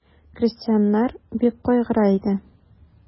Крестьяннар бик кайгыра иде.